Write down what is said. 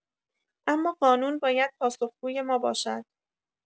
اما قانون باید پاسخگوی ما باشد